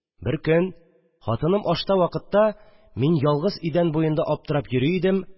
Беркөн, хатыным ашта вакытта, мин ялгыз идән буенда аптырап йөри идем